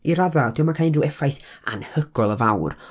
i raddau, di o'm yn cael unrhyw effaith anhygoel o fawr...